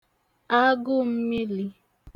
agụụ̄ mmilī